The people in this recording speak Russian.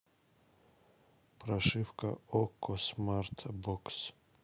прошивка окко смарт бокс